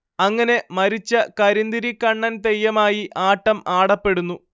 അങ്ങനെ മരിച്ച കരിന്തിരി കണ്ണൻ തെയ്യമായി ആട്ടം ആടപ്പെടുന്നു